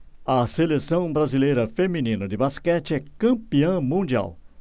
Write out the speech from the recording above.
a seleção brasileira feminina de basquete é campeã mundial